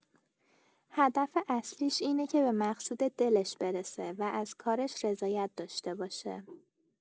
هدف اصلیش اینه که به مقصود دلش برسه و از کارش رضایت داشته باشه.